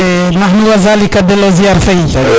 e naxlu wa zalika delo ziar Faye